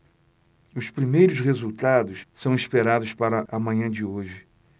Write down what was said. os primeiros resultados são esperados para a manhã de hoje